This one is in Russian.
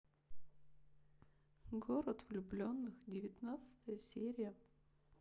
город влюбленных девятнадцатая серия